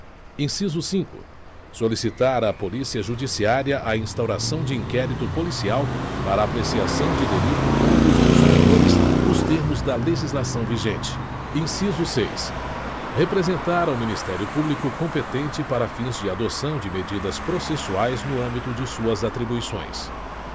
inciso cinco solicitar à polícia judiciária a instauração de inquérito policial para a apreciação de delito contra os consumidores nos termos da legislação vigente inciso seis representar ao ministério público competente para fins de adoção de medidas processuais no âmbito de suas atribuições